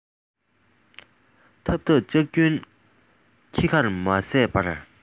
འཐབ འཐབ ལྕག རྒྱུན ཁྱི ཁར མ ཟད པར